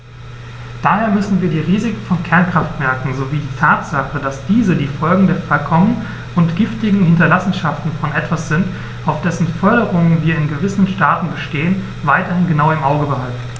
Daher müssen wir die Risiken von Kernkraftwerken sowie die Tatsache, dass diese die Folgen der verkommenen und giftigen Hinterlassenschaften von etwas sind, auf dessen Förderung wir in gewissen Staaten bestehen, weiterhin genau im Auge behalten.